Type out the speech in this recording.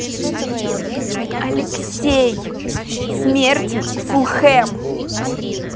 алексей смертин в фулхэм